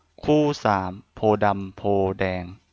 คู่สามโพธิ์ดำโพธิ์แดง